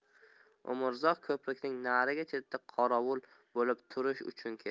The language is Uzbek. umrzoq ko'prikning narigi chetida qorovul bo'lib turish uchun ketdi